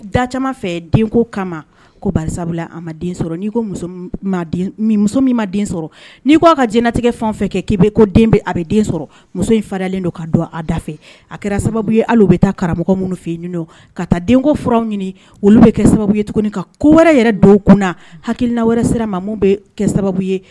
Kama n' min ma n'i a ka jtigɛ fɛn kɛ k'i a sɔrɔ muso faralen don ka don da fɛ a kɛra sababu ye bɛ taa karamɔgɔ minnu fɛ yen ka taa denko f ɲini olu bɛ sababu ye tuguni ka ko wɛrɛ yɛrɛ don kunna haina wɛrɛ sera ma bɛ kɛ sababu ye